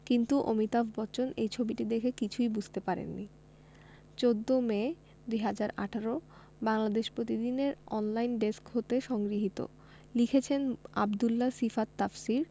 কিন্তু অমিতাভ বচ্চন এই ছবিটি দেখে কিছুই বুঝতে পারেননি ১৪মে ২০১৮ বাংলাদেশ প্রতিদিন এর অনলাইন ডেস্ক হতে সংগৃহীত লিখেছেনঃ আব্দুল্লাহ সিফাত তাফসীর